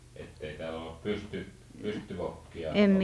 että ei täällä ole - pystyvokkia ollut